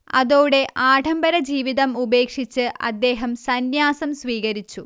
അതോടെ ആഢംബരജീവിതം ഉപേക്ഷിച്ച് അദ്ദേഹം സന്യാസം സ്വീകരിച്ചു